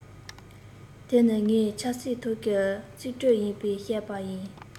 དེ ནི ངའི ཆབ སྲིད ཐོག གི རྩིས སྤྲོད ཡིན པར བཤད པ ཡིན